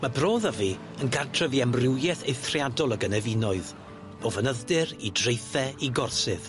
Ma' Bro Ddyfi yn gartref i amrywieth eithriadol o gynefinoedd, o fynydd-dir i draethe i gorsydd.